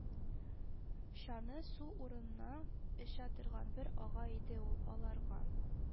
Чаны су урынына эчә торган бер агай иде ул – аларга